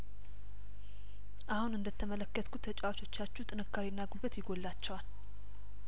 አሁን እንደተመለከትኩት ተጫዋቾ ቻችሁ ጥንካሬና ጉልበት ይጐድላቸዋል